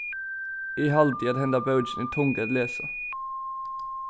eg haldi at hendan bókin er tung at lesa